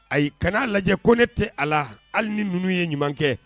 Ayi kana n'a lajɛ ko ne tɛ a la hali ni ninnu ye ɲuman kɛ